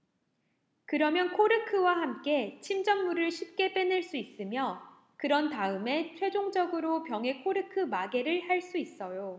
그러면 코르크와 함께 침전물을 쉽게 빼낼 수 있으며 그런 다음에 최종적으로 병에 코르크 마개를 할 수 있어요